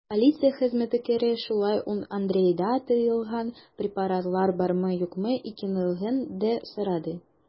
Полиция хезмәткәре шулай ук Андрейда тыелган препаратлар бармы-юкмы икәнлеген дә сорады.